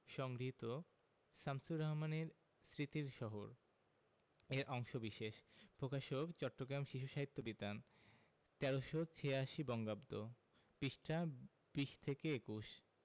সংগৃহীত শামসুর রাহমানের স্মৃতির শহর এর অংশবিশেষ প্রকাশকঃ চট্টগ্রাম শিশু সাহিত্য বিতান ১৩৮৬ বঙ্গাব্দ পৃষ্ঠাঃ ২০ ২১